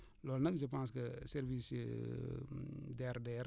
loolu nag je pense que service DRDR